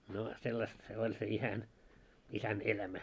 no sellaista se oli se isän isän elämä